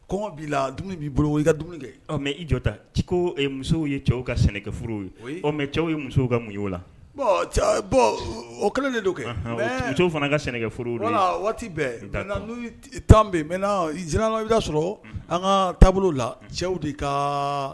Kɔngɔ b'i la dumuni b'i bolo i ka dumuni kɛ mɛ i jɔ ta ci ko musow ye cɛw ka sɛnɛoro ye ɔ mɛ cɛw ye musow ka mun ye o la cɛw bɔn o kɛlen de don kɛ musow fana ka sɛnɛforo waati bɛɛ n' tan bɛ yen mɛ z la i ka sɔrɔ an ka taabolo la cɛw de ka